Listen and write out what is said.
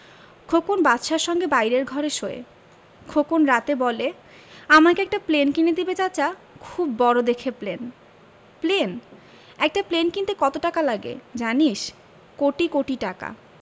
খোকন বাদশার সঙ্গে বাইরের ঘরে শোয় খোকন রাতে বলে আমাকে একটা প্লেন কিনে দিবে চাচা খুব বড় দেখে প্লেন প্লেন একটা প্লেন কিনতে কত টাকা লাগে জানিস কোটি কোটি টাকা